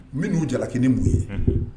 N bɛ n'u jalalaki ni mun ye